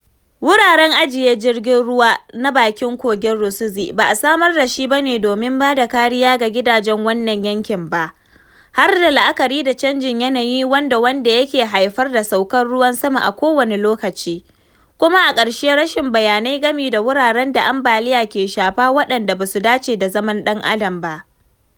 Wuraren ajiye jirgin ruwa na bakin kogin Rusizi ba a samar da shi bane domin bada kariya ga gidajen wannan yankin ba; har da la'akari da canjin yanayi wanda wanda yake haifar da saukar ruwan sama a kowane lokaci; kuma, a ƙarshe, rashin bayanai game da wuraren da ambaliya ke shafa waɗanda ba su dace da zaman ɗan adam ba.